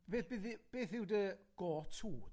Beth ydi... Beth yw dy go-to de?